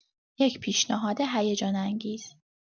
یک پیشنهاد هیجان‌انگیز؛